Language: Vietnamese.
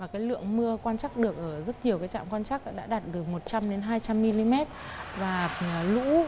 và cái lượng mưa quan trắc được ở rất nhiều cái trạm quan trắc đã đạt được một trăm đến hai trăm mi li mét và lũ